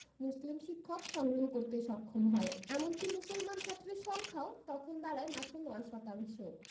মুসলিম শিক্ষক সংগ্রহ করতে সক্ষম হয় এমনকি মুসলমান ছাত্রের সংখ্যাও তখন দাঁড়ায় মাত্র ৯ শতাংশ